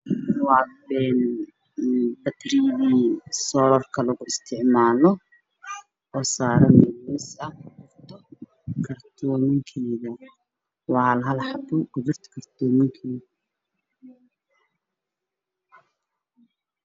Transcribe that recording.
Waxaa ii muuqda miis ay saaran yihiin qalab korontada oo batariye ah ay ku jiraan kartoon fiilooyin ayaa ku dhagan